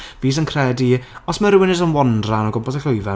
Fi jyst yn credu os mae rhywyn yn jyst yn wandran o gwympas y llwyfan...